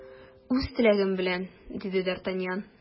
Үз теләгем белән! - диде д’Артаньян.